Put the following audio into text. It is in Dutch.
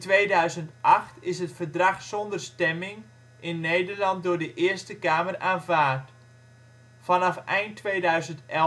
2008 is het verdrag zonder stemming in Nederland door de Eerste Kamer aanvaard. Vanaf eind 2011